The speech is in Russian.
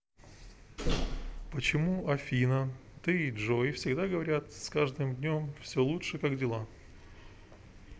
почему афина ты и джой всегда говорят с каждым днем все лучше как дела